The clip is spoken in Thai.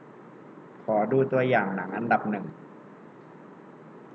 ขอดูตัวอย่างหนังอันดับหนึ่ง